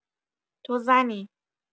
تو زنی.